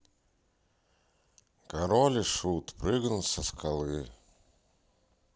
король и шут прыгнуть со скалы